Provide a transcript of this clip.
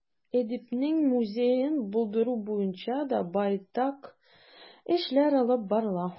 Әдипнең музеен булдыру буенча да байтак эшләр алып барыла.